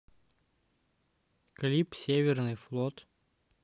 клип северный флот